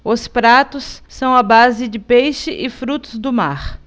os pratos são à base de peixe e frutos do mar